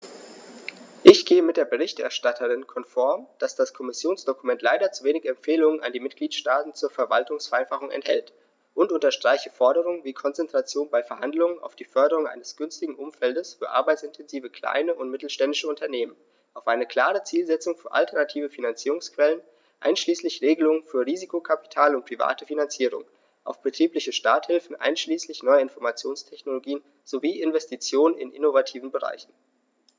Ich gehe mit der Berichterstatterin konform, dass das Kommissionsdokument leider zu wenig Empfehlungen an die Mitgliedstaaten zur Verwaltungsvereinfachung enthält, und unterstreiche Forderungen wie Konzentration bei Verhandlungen auf die Förderung eines günstigen Umfeldes für arbeitsintensive kleine und mittelständische Unternehmen, auf eine klare Zielsetzung für alternative Finanzierungsquellen einschließlich Regelungen für Risikokapital und private Finanzierung, auf betriebliche Starthilfen einschließlich neuer Informationstechnologien sowie Investitionen in innovativen Bereichen.